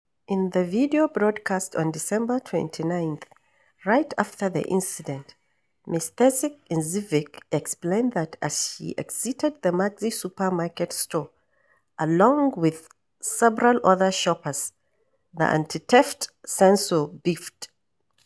In the video, broadcast on December 29 right after the incident, Ms. Tasić Knežević explained that as she exited the Maxi supermarket store along with several other shoppers, the anti-theft sensor beeped.